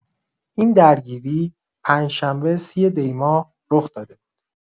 این درگیری پنجشنبه ۳۰ دی‌ماه رخ‌داده بود.